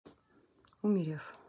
умерев